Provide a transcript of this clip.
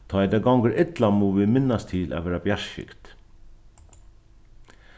tá ið tað gongur illa mugu vit minnast til at vera bjartskygd